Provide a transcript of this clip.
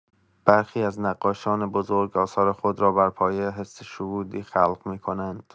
برخی از نقاشان بزرگ آثار خود را بر پایه حس شهودی خلق می‌کنند.